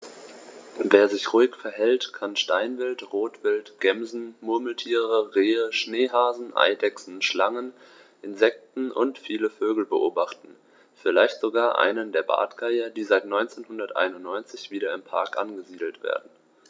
Wer sich ruhig verhält, kann Steinwild, Rotwild, Gämsen, Murmeltiere, Rehe, Schneehasen, Eidechsen, Schlangen, Insekten und viele Vögel beobachten, vielleicht sogar einen der Bartgeier, die seit 1991 wieder im Park angesiedelt werden.